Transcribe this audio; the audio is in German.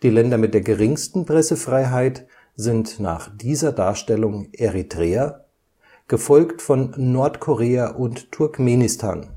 Länder mit der geringsten Pressefreiheit sind nach dieser Darstellung Eritrea, gefolgt von Nordkorea und Turkmenistan